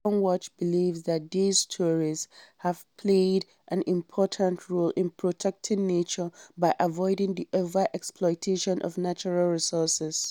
Mekong Watch believes that these stories "have played an important role in protecting nature by avoiding the over-exploitation of natural resources."